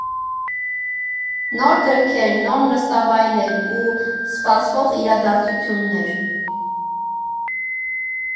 Նոր գրքեր, նոր նստավայրեր ու սպասվող իրադարձություններ։